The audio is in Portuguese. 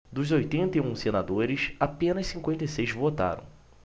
dos oitenta e um senadores apenas cinquenta e seis votaram